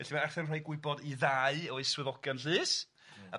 Felly ma' Arthur yn rhoi gwybod i ddau o'i swyddogion llys,